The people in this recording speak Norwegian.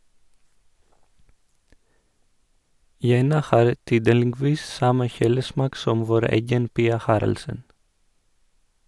Jenna har tydeligvis samme kjolesmak som vår egen Pia Haraldsen.